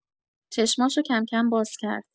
چشماشو کم‌کم باز کرد.